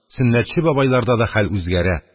Сөннәтче бабайларда да хәл үзгәрә,